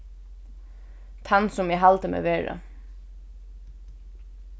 tann sum eg haldi meg vera